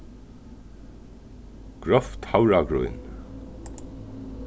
grovt havragrýn